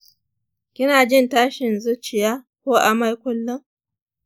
kina jin tashin zuciya ko amai kullun?